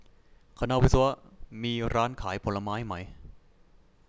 คณะวิศวะมีร้านขายผลไม้ไหม